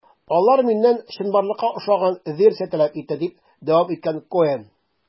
Алар миннән чынбарлыкка охшаган версия таләп итте, - дип дәвам иткән Коэн.